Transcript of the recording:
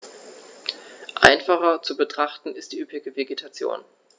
Einfacher zu betrachten ist die üppige Vegetation.